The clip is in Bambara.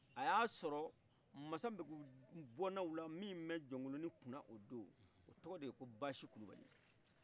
a ye a sɔrɔ masa npekuru bɔnaw la min bɛ jonkolonin kun na o don o tɔgɔ de ye ko basi kulubali